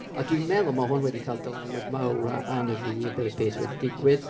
a dwi'n meddwl mae hwn wedi cael dylanwad mawr arnaf fi be be sy wedi digwydd.